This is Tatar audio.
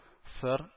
Сыр